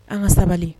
An ka sabali